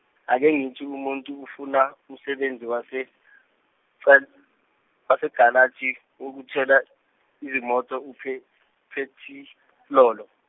akengithi umuntu ufuna umsebenzi wasegan-, wasegalaji wokuthela izimoto uphe- phethilolo.